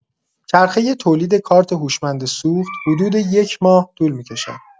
چرخه تولید کارت هوشمند سوخت، حدود یک ماه طول می‌کشد.